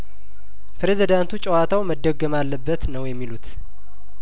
ፕሬዚዳንቱ ጨዋታው መደገም አለበት ነው የሚሉት